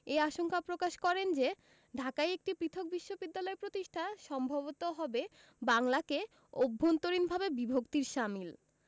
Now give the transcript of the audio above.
এ আশঙ্কা প্রকাশ করেন যে ঢাকায় একটি পৃথক বিশ্ববিদ্যালয় প্রতিষ্ঠা সম্ভবত হবে বাংলাকে অভ্যন্তরীণভাবে বিভক্তির শামিল